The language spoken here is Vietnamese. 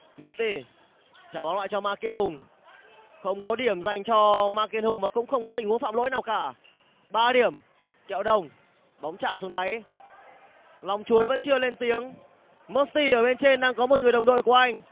mớt ty trả bóng lại cho ma kiên hùng không có điểm dành cho ma kiên hùng mà cũng không có tình huống phạm lỗi nào cả ba điểm kẹo đồng bóng trả xuống đáy long chuối vẫn chưa lên tiếng mớt ty ở bên trên đang có một người đồng đội của anh